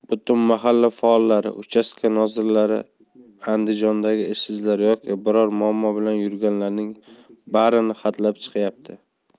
butun mahalla faollari uchastka nozirlari andijondagi ishsizlar yoki biror muammo bilan yurganlarning barini hatlab chiqyapti